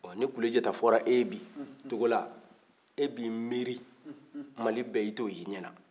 ni kulejata fɔra e ye bi togola e bi miiri mali bɛɛ i t'o ye i ɲɛna